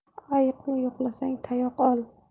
ayiqni yo'qlasang tayoq ol